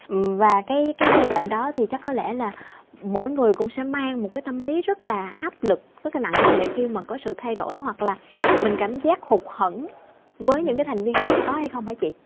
và cái cái giai đoạn đó thì chắc có lẽ là mỗi người cũng sẽ mang một cái tâm lý rất là áp lực rất là nặng nề khi mà có sự thay đổi hoặc là mình cảm giác hụt hẫng với những thành viên khác có hay không hả chị